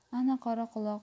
ana qoraquloq